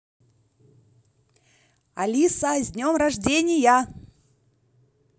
алиса с днем рождения